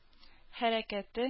Хәрәкәте